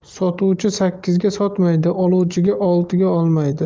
sotuvchi sakkizga sotmaydi oluvchi oltiga olmaydi